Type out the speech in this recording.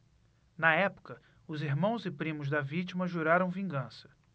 na época os irmãos e primos da vítima juraram vingança